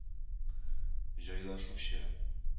Җайлашучы